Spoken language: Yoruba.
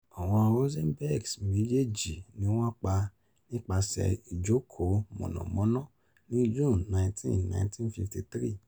Àwọn Rosenbergs méjèèjì ní wọ́n pa nípasẹ ìjókòó mọ̀nàmọ́ná ní June 19, 1953.